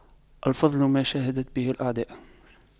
الفضل ما شهدت به الأعداء